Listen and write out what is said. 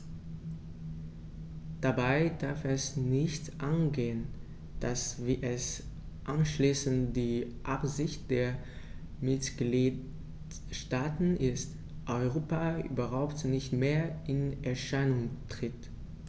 Dabei darf es nicht angehen, dass - wie es anscheinend die Absicht der Mitgliedsstaaten ist - Europa überhaupt nicht mehr in Erscheinung tritt.